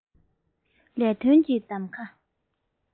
ལས དོན གྱི གདམ ཀ